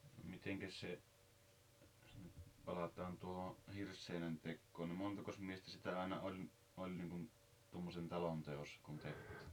no mitenkäs se jos nyt palataan tuohon hirsiseinän tekoon niin montakos miestä sitä aina oli oli niin kuin tuommoisen talon teossa kun tehtiin